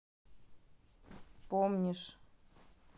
помнишь